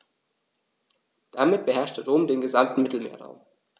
Damit beherrschte Rom den gesamten Mittelmeerraum.